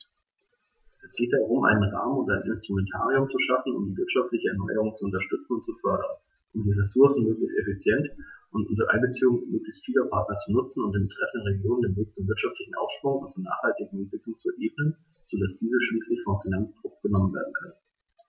Es geht darum, einen Rahmen und ein Instrumentarium zu schaffen, um die wirtschaftliche Erneuerung zu unterstützen und zu fördern, um die Ressourcen möglichst effektiv und unter Einbeziehung möglichst vieler Partner zu nutzen und den betreffenden Regionen den Weg zum wirtschaftlichen Aufschwung und zur nachhaltigen Entwicklung zu ebnen, so dass diese schließlich vom Finanztropf genommen werden können.